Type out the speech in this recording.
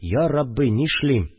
Йа Рабби, нишлим